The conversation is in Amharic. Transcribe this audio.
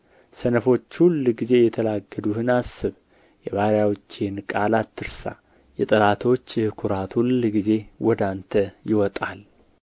ሰነፎች ሁልጊዜም የተላገዱህን አስብ የባሪያዎችህን ቃል አትርሳ የጠላቶችህ ኵራት ሁልጊዜ ወደ አንተ ይወጣል